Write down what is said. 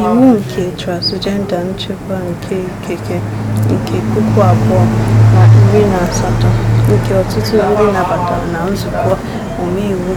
Iwu nke Onye Transịjenda (Nchekwa nke Ikike) nke 2018 nke ọtụtụ ndị nabatara na Nzukọ Omeiwu